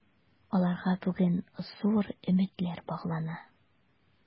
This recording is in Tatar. Аларга бүген зур өметләр баглана.